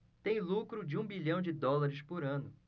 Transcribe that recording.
tem lucro de um bilhão de dólares por ano